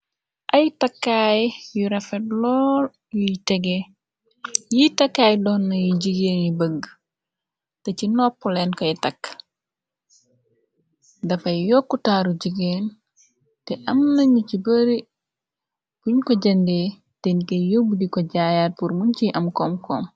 Ayi takkaay yu refect lol nigi tegeh yi takkaay doonna yu jigeen yi bëgg te ci nopp leen koy takk dafay yokku taaru jigeen te am nañu ci bari buñ ko jandee denkey yóbb di ko jaayaar bur muñ ci am koom koom.